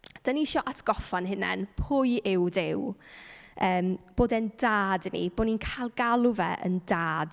Dan ni isio atgoffa'n hunain, pwy yw Duw. Bod e'n Dad i ni, bod ni'n galw fe yn Dad.